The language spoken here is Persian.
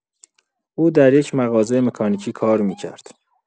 او در یک مغازۀ مکانیکی کار می‌کرد.